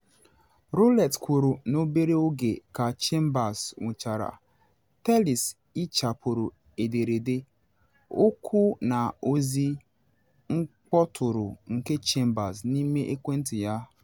Rowlett kwuru n’obere oge ka Chambers nwụchara, Tellis hichapụrụ ederede, oku na ozi mkpọtụrụ nke Chambers n’ime ekwentị ya.